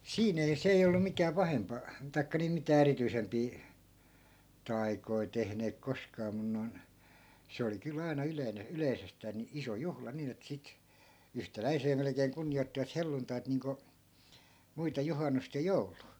siinä ei se ei ollut mikään pahempaa tai niin mitään erityisempää taikoja tehneet koskaan mutta noin se oli kyllä aina yleinen yleisestään niin iso juhla niin että sitten yhtäläiseen melkein kunnioittivat helluntaita niin kuin muita juhannusta ja joulua